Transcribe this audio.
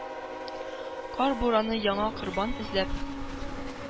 Кар бураны яңа корбан эзләп